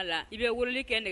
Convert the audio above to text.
I bɛ wulili kɛ